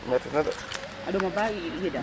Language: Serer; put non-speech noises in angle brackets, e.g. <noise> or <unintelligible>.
<unintelligible>